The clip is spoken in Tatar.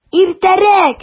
Иртәрәк!